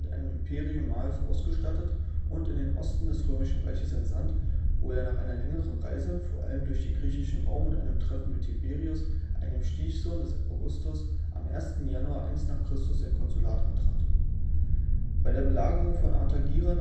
einem imperium maius ausgestattet und in den Osten des Römischen Reiches entsandt, wo er nach einer längeren Reise vor allem durch den griechischen Raum und einem Treffen mit Tiberius, einem Stiefsohn des Augustus, am 1. Januar 1 n. Chr. sein Konsulat antrat. Bei der Belagerung von Artagira